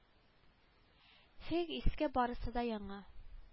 Фиг иске барысы да яңа